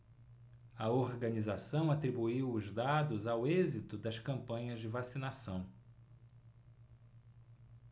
a organização atribuiu os dados ao êxito das campanhas de vacinação